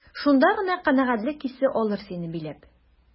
Шунда гына канәгатьлек хисе алыр сине биләп.